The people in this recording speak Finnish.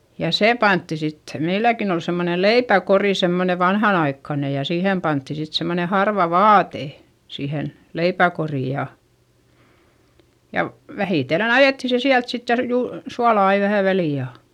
ja se pantiin sitten meilläkin oli semmoinen leipäkori semmoinen vanhanaikainen ja siihen pantiin sitten semmoinen harva vaate siihen leipäkoriin ja ja vähitellen ajettiin se sieltä sitten ja -- suolaa aina vähän väliin ja